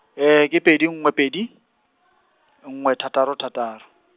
ke pedi nngwe pedi , nngwe thataro thataro.